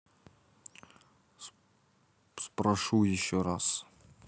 спрошу еще раз